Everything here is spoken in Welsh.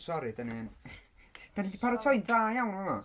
Sori dan ni'n... dan 'di paratoi yn dda iawn yn fama.